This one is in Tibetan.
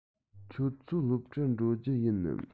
ཁྱོད ཚོ སློབ གྲྭར འགྲོ རྒྱུ ཡིན ནམ